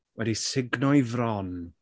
Wedi sugno'i fron.